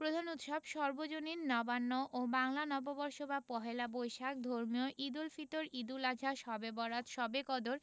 প্রধান উৎসবঃ সর্বজনীন নবান্ন ও বাংলা নববর্ষ বা পহেলা বৈশাখ ধর্মীয় ঈদুল ফিত্ র ঈদুল আযহা শবে বরআত শবে কদর